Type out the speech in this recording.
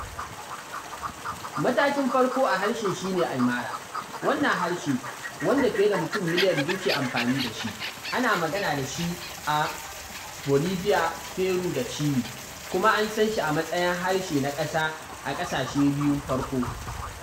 Matakin farko a harshe shi ne Aymara; wannan harshe, wanda fiye da mutum miliyan biyu ke amfani da shi, ana magana da shi a Bolivia, Peru da Chile kuma an san shi a matsayin harshe na ƙasa a ƙasashe biyun farko.